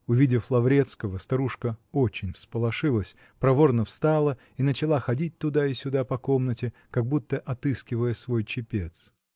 Увидев Лаврецкого, старушка очень всполошилась, проворно встала и начала ходить туда и сюда по комнате, как будто отыскивая свой чепец.